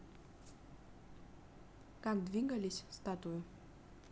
как двигались статую